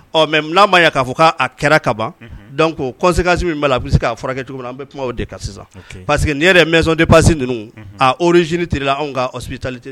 Ɔ n'a ma ya k'a fɔ k'a kɛra ka ban ko kɔnsekansi min bɛ la bilisi se k'a furakɛ kɛ cogo min an bɛ kuma de ka sisan pa parce queseke nin yɛrɛɛn tɛ pasi ninnu oruz t anw ka tali